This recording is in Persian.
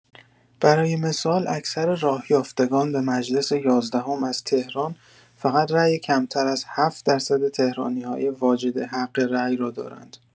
برای مثال، اکثر راۀافتگان به مجلس یازدهم از تهران فقط رای کمتر از ۷ درصد تهرانی‌های واجد حق رای را دارند.